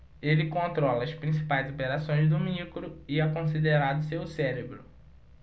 ele controla as principais operações do micro e é considerado seu cérebro